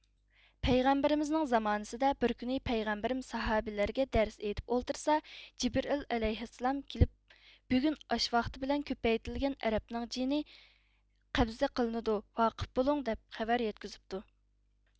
پەيغەمبىرىمنىڭ زامانىسىدە بىر كۈنى پەيغەمبىرىم ساھابىلەرگە دەرس ئېيتىپ ئولتۇرسا جىبرىئىل ئەلەيھىسسالام كېلىپ بۈگۈن ئاش ۋاقتى بىلەن كۆپەيتىلگەن ئەرەبنىڭ جېنى قەبزە قىلىنىدۇ ۋاقىپ بولۇڭ دەپ خەۋەر يەتكۈزۈپتۇ